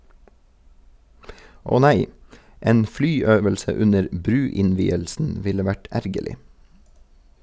Åh nei, en flyøvelse under bruinnvielsen ville vært ergerlig.